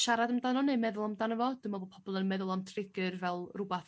siarad amdano neu meddwl amdano fo dwi meddwl bo' pobol yn meddwl am trigger fel rwbath